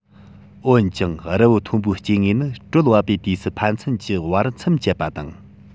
འོན ཀྱང རི བོའི མཐོན པོའི སྐྱེ དངོས ནི དྲོད བབས པའི དུས སུ ཕན ཚུན གྱི བར མཚམས བཅད པ དང